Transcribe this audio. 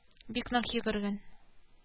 Бик нык йөгергән